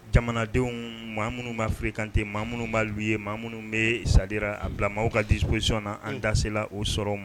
Jamanadenw maa minnu b'a fili kante maa minnu b'alu ye maa minnu bɛ sadira a bila mɔgɔw ka di sosionna an tasela o sɔrɔ ma